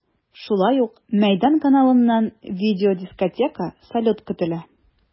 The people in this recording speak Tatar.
Шулай ук “Мәйдан” каналыннан видеодискотека, салют көтелә.